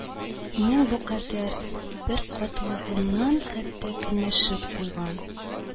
Нең бу кадәр беркатлылыгыннан хәтта көнләшеп куйган